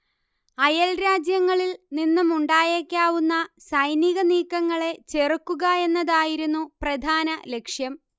അയൽരാജ്യങ്ങളിൽ നിന്നുമുണ്ടായേക്കാവുന്ന സൈനികനീക്കങ്ങളെ ചെറുക്കുക എന്നതായിരുന്നു പ്രധാന ലക്ഷ്യം